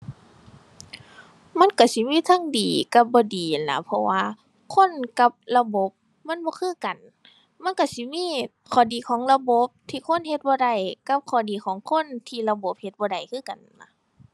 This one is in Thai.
มันก็สิมีเทิงดีกับบ่ดีนั่นล่ะ เพราะว่าคนกับระบบมันบ่คือกัน มันก็สิมีข้อดีของระบบที่คนเฮ็ดบ่ได้กับข้อดีของคนที่ระบบเฮ็ดบ่ได้คือกันนั่นล่ะ